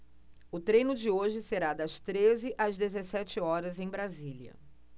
o treino de hoje será das treze às dezessete horas em brasília